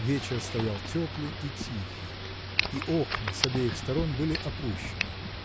Вечер стоял теплый и тихий, и окна с обеих сторон были опущены.